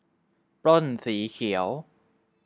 ปล้นสีเขียว